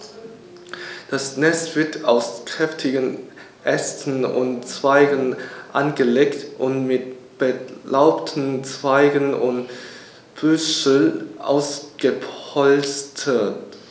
Das Nest wird aus kräftigen Ästen und Zweigen angelegt und mit belaubten Zweigen und Büscheln ausgepolstert.